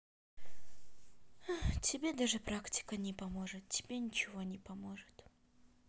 тебе даже практика не поможет тебе ничего не поможет